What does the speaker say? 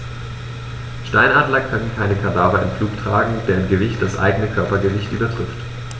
Steinadler können keine Kadaver im Flug tragen, deren Gewicht das eigene Körpergewicht übertrifft.